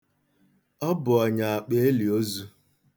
Ọ bụ ọ nya akpa eli ozu.